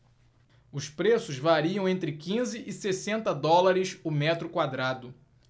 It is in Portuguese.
os preços variam entre quinze e sessenta dólares o metro quadrado